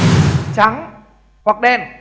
trắng hoặc đen